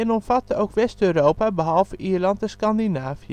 omvatte ook West-Europa behalve Ierland en Scandinavië